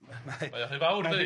Mae o rhy fawr yndi?